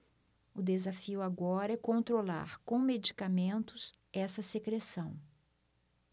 o desafio agora é controlar com medicamentos essa secreção